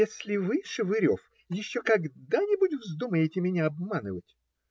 - Если вы, Шевырев, еще когда-нибудь вздумаете меня обманывать.